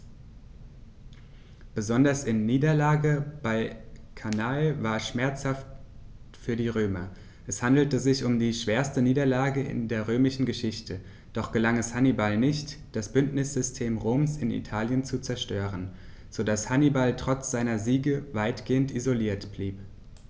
Besonders die Niederlage bei Cannae war schmerzhaft für die Römer: Es handelte sich um die schwerste Niederlage in der römischen Geschichte, doch gelang es Hannibal nicht, das Bündnissystem Roms in Italien zu zerstören, sodass Hannibal trotz seiner Siege weitgehend isoliert blieb.